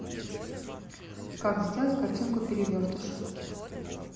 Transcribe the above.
как сделать картинку перевертыш